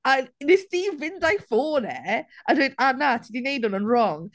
a wnest ti fynd a'i ffon e, a dweud "a na, ti 'di wneud hwn yn wrong."